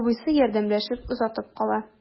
Абыйсы ярдәмләшеп озатып кала.